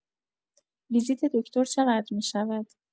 ویزیت دکتر چه‌قدر می‌شود؟